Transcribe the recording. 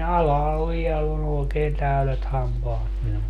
alhaalla vielä on oikein täydet hampaat minulla